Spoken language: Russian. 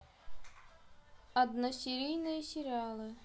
односерийные сериалы